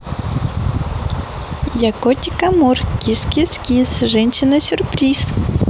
я котик амур кис кис кис женщина сюрприз